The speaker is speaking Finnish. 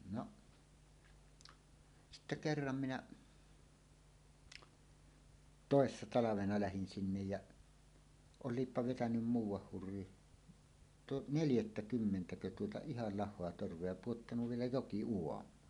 no sitten kerran minä toissa talvena lähdin sinne ja olipa vetänyt muuan hurri - neljättäkymmentäkö tuota ihan lahoa torvea ja pudottanut vielä jokiuomaan